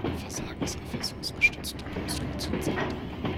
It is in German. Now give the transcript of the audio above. Versagenserfassungsgestützte Konstruktionsänderung